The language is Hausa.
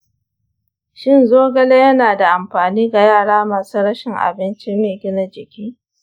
shin zogale yana da amfani ga yara masu rashin abinci mai gina jiki?